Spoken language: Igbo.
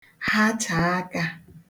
hachàa akā